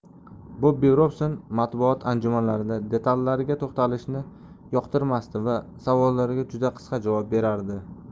bobbi robson matbuot anjumanlarida detallarga to'xtalishni yoqtirmasdi va savollarga juda qisqa javob berardi